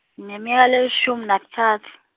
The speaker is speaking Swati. ngineminyaka lelishumi nakutsatfu.